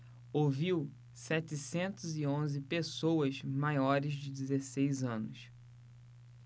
ouviu setecentos e onze pessoas maiores de dezesseis anos